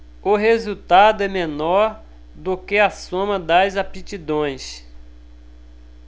o resultado é menor do que a soma das aptidões